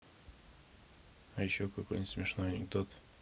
а еще какой нибудь смешной анекдот